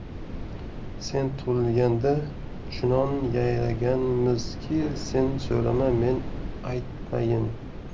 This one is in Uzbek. sen tug'ilganda chunon yayraganmizki sen so'rama men aytmayin